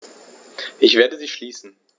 Ich werde sie schließen.